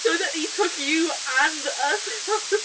So that he took you and us home.